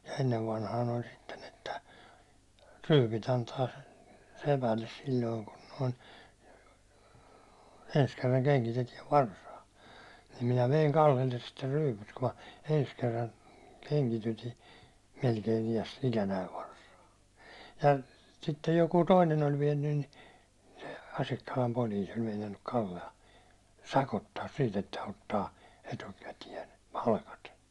ja ennen vanhaan oli sitten että ryypyt antaa sepälle silloin kun noin ensi kerran kengitetään varsaa niin minä vein Kallelle sitten ryypyt kun minä ensi kerran kengitytin melkein - ikänäni varsaa ja sitten joku toinen oli vienyt niin se Asikkalan poliisi oli meinannut Kallea sakottaa siitä että ottaa etukäteen palkat